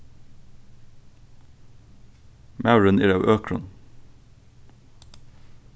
maðurin er av økrum